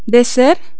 ديسير